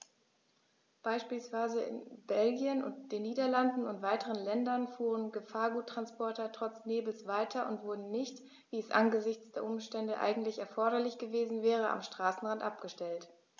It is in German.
Beispielsweise in Belgien, den Niederlanden und weiteren Ländern fuhren Gefahrguttransporter trotz Nebels weiter und wurden nicht, wie es angesichts der Umstände eigentlich erforderlich gewesen wäre, am Straßenrand abgestellt.